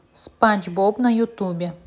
спанч боб на ютубе